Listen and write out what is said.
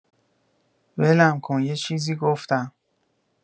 ولم کن یه چیزی گفتم